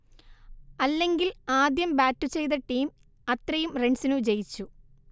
അല്ലെങ്കിൽ ആദ്യം ബാറ്റു ചെയ്ത ടീം അത്രയും റൺസിനു ജയിച്ചു